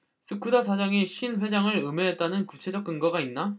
스쿠다 사장이 신 회장을 음해했다는 구체적 근거가 있나